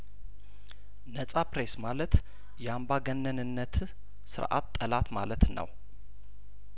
ነጻ ፕሬስ ማለት የአምባገነንነት ስርአት ጠላት ማለት ነው